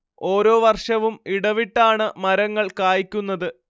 ഓരോ വർഷവും ഇടവിട്ടാണ് മരങ്ങൾ കായ്ക്കുന്നത്